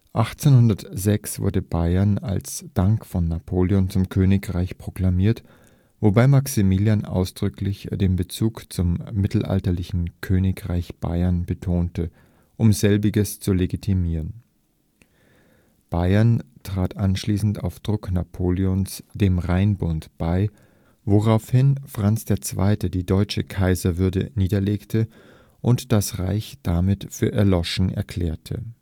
1806 wurde Bayern als Dank von Napoleon zum Königreich proklamiert, wobei Maximilian ausdrücklich den Bezug zum mittelalterlichen Königreich Bayern betonte, um selbiges zu legitimieren. Bayern trat anschließend auf Druck Napoleons dem Rheinbund bei, woraufhin Franz II. die deutsche Kaiserwürde niederlegte und das Reich damit für erloschen erklärte